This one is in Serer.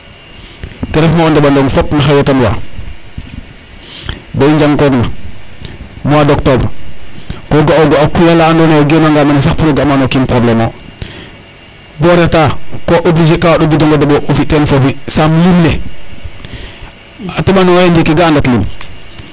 ke refma o ɗoɓanong fop maxey wetan wa bo i njang koog na mois d' octobre ko ga ogu a koyala ando naye o geen wanga mene sax pour o ga maga o kiin probleme o bo o reta ko obliger ka waɗo bidongo deɓ o fi ten fofi saam liim le xa teɓanonga xe ndiiki ga andat liim